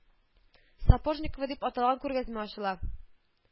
Сапожникова дип аталган күргәзмә ачыла